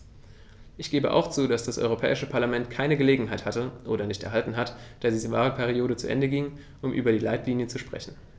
Ich gebe auch zu, dass das Europäische Parlament keine Gelegenheit hatte - oder nicht erhalten hat, da die Wahlperiode zu Ende ging -, um über die Leitlinien zu sprechen.